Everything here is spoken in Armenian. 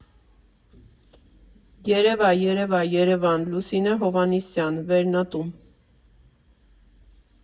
«Երևա, երևա, Երևան», Լուսինե Հովհաննիսյան, Վերնատուն։